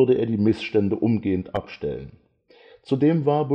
er die Missstände umgehend abstellen “. Zudem war